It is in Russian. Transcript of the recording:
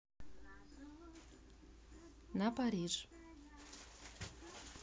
на париж